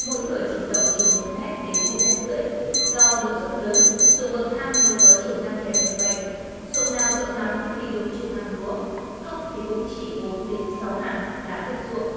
mỗi thửa chỉ rộng chừng một mét đến một mét rưỡi do độ dốc lớn ruộng bậc thang mới có chiều ngang hẹp như vậy ruộng nào rộng lắm thì được chụp hàng lúa không thì cũng chỉ bốn đến sáu hàng là hết ruộng